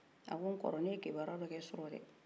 a ko n kɔrɔ ne ye kibaruya don kɛ surɔ dɛ